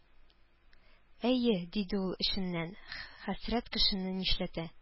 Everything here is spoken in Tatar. «әйе,— диде ул эченнән,—хәсрәт кешене нишләтә!»